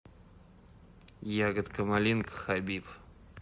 ягодка малинка хабиб